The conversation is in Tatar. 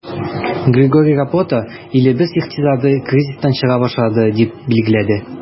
Григорий Рапота, илебез икътисады кризистан чыга башлады, дип билгеләде.